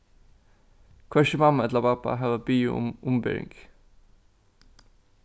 hvørki mamma ella babba hava biðið um umbering